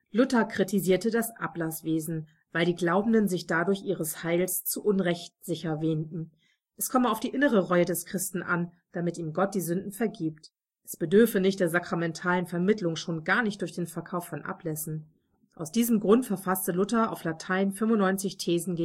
Luther kritisierte das Ablasswesen, weil die Glaubenden sich dadurch ihres Heils zu Unrecht sicher wähnten. Es komme auf die innere Reue des Christen an, damit ihm Gott die Sünden vergibt. Es bedürfe nicht der sakramentalen Vermittlung, schon gar nicht durch den Verkauf von Ablässen. Aus diesem Grund verfasste Luther auf Latein 95 Thesen